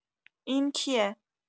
این کیه؟